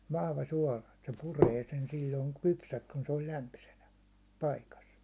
vahva suola että se puree sen silloin kypsäksi kun se on lämpöisenä paikassa